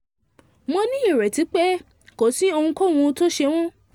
Mo ní ìrètí pé kò sí ohunkóhun tó ṣe wọ́n”